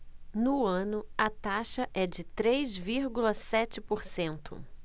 no ano a taxa é de três vírgula sete por cento